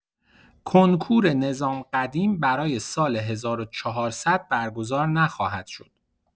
کنکور نظام قدیم برای سال ۱۴۰۰ برگزار نخواهد شد.